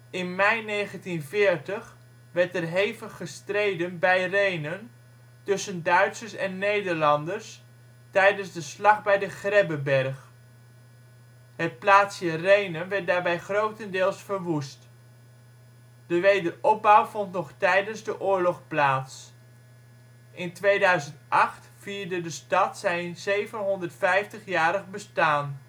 In mei 1940 werd er hevig gestreden bij Rhenen tussen Duitsers en Nederlanders tijdens de Slag bij de Grebbeberg. Het plaatsje Rhenen werd daarbij grotendeels verwoest. De wederopbouw vond nog tijdens de oorlog plaats. In 2008 vierde de stad zijn 750-jarige bestaan